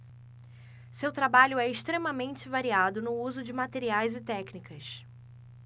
seu trabalho é extremamente variado no uso de materiais e técnicas